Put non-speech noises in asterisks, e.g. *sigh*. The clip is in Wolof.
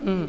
*hesitation* *hesitation*